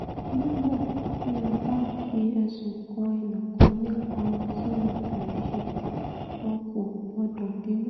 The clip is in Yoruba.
nígbà tí a báfi ẹ̀sùn kan ẹnìkan nípa ohun tí wọn kòṣe, wọn kò gbọdọ̀ bínú.